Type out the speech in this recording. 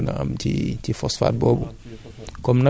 wala nga ñëw DRDR laajte waa INP fu ñu nekk